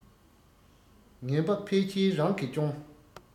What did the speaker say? ངན པ ཕལ ཆེར རང གི སྐྱོན